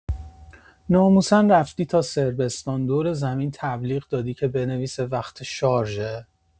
ناموسا رفتی تا صربستان دور زمین تبلیغ دادی که بنویسه وقته شارژه؟